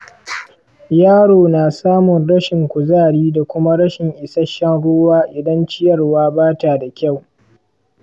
yaro na samun rashin kuzari da kuma rashin isasshen ruwa idan ciyarwa ba ta da kyau.